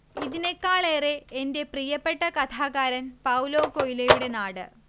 ഇതിനേക്കാളേറെ എന്റെ പ്രിയപ്പെട്ട കഥാകാരൻ പൗലോ കൊയ്ലോയുടെ നാട്